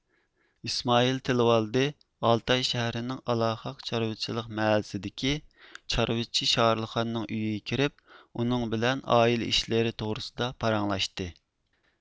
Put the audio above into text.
ئىسمائىل تىلىۋالدى ئالتاي شەھىرىنىڭ ئالاخاق چارۋىچىلىق مەھەللىسىدىكى چارۋىچى شارۇلخاننىڭ ئۆيىگە كىرىپ ئۇنىڭ بىلەن ئائىلە ئىشلىرى توغرىسىدا پاراڭلاشتى